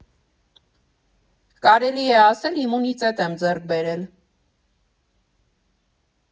Կարելի է ասել իմունիտետ եմ ձեռք բերել։